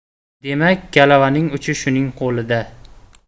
demak kalavaning uchi shuning qo'lida